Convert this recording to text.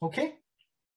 Oce?